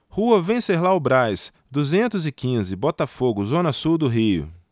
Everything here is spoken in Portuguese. rua venceslau braz duzentos e quinze botafogo zona sul do rio